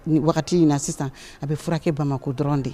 Nin wagati in na sisan, a bɛ furakɛ Bamakɔ dɔrɔn de.